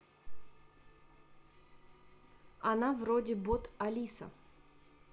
она вроде бот алиса